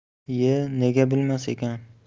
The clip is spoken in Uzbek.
iye nega bilmas ekan